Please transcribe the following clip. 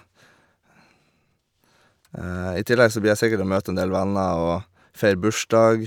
I tillegg så blir jeg sikkert å møte en del venner og feire bursdag.